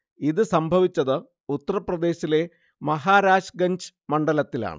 ഇത് സംഭവിച്ചത് ഉത്തർ പ്രദേശിലെ മഹാരാജ്ഗഞ്ച് മണ്ഡലത്തിലാണ്